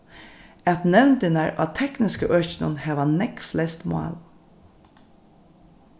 at nevndirnar á tekniska økinum hava nógv flest mál